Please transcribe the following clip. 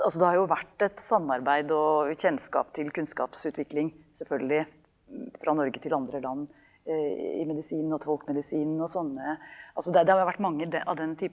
altså det har jo vært et samarbeid og kjennskap til kunnskapsutvikling selvfølgelig fra Norge til andre land i medisin og folkemedisin og sånne, altså det det har jo vært mange av den.